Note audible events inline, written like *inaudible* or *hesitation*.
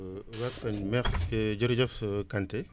*hesitation* waaw kañ merci jërëjëf Kanté